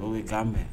Oo ye k'an mɛn